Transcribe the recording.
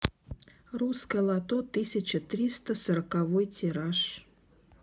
русское лото тысяча триста сороковой тираж